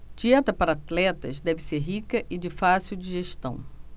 dieta para atletas deve ser rica e de fácil digestão